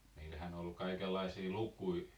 niitähän oli kaikenlaisia lukuja